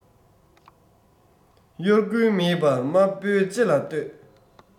དབྱར དགུན མེད པ དམར པོའི ལྕེ ལ ལྟོས